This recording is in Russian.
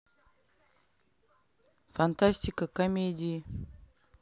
фантастика комедии